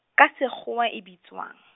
ka sekgowa e bitswang?